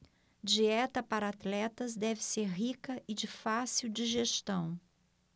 dieta para atletas deve ser rica e de fácil digestão